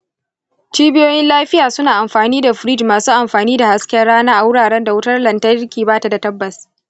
cibiyoyin lafiya suna amfani da firij masu amfani da hasken rana a wuraren da wutar lantarki ba ta da tabbas.